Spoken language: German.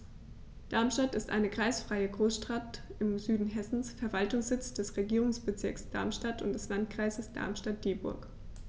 Darmstadt ist eine kreisfreie Großstadt im Süden Hessens, Verwaltungssitz des Regierungsbezirks Darmstadt und des Landkreises Darmstadt-Dieburg.